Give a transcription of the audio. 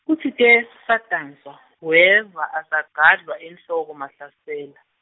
kutsite, kusadanswa, weva asagadlwa enhloko Mahlasela.